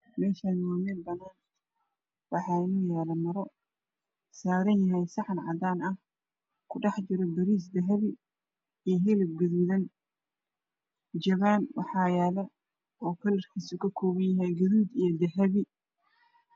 Meshan waa meel banaan waxaa inoo yaalomaro saaran yhy saxan cadaan ah kudhex jiro bariis dahabi iyo hilib gudoodan jawaan waxaa yaalo kalarkiisu kakoobanyhy gudood iyo dahabi